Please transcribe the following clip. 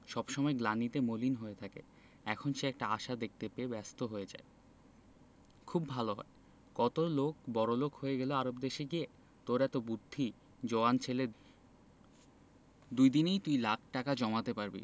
সব সময় গ্লানিতে মলিন হয়ে থাকে এখন সে একটা আশা দেখতে পেয়ে ব্যস্ত হয়ে যায় খুব ভালো হয় কত লোক বড়লোক হয়ে গেল আরব দেশে গিয়ে তোর এত বুদ্ধি জোয়ান ছেলে দুদিনেই তুই লাখ টাকা জমাতে পারবি